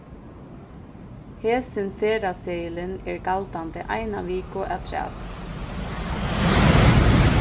hesin ferðaseðilin er galdandi eina viku afturat